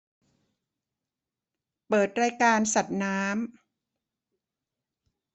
เปิดรายการสัตว์น้ำ